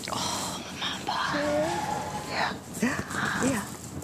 O mam bach. 'K? Ia. Ia? Ia.